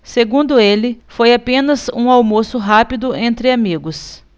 segundo ele foi apenas um almoço rápido entre amigos